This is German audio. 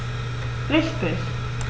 Richtig